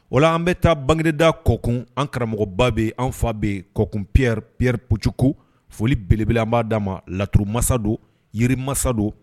Wala an bɛ taa bangegda kɔk an karamɔgɔba bɛ an fa bɛ kɔk pɛ pɛripcku foli belebla b' d' ma laturu masasa don yiri masasa don